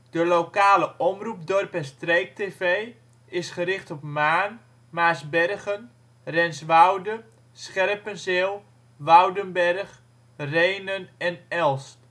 De lokale omroep Dorp en streek tv, is gericht op Maarn, Maarsbergen, Renswoude, Scherpenzeel, Woudenberg, Rhenen en Elst